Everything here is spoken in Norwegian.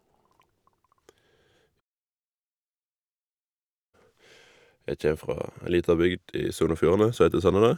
jeg kjem fra ei lita bygd i Sogn og Fjordane som heter Sandane.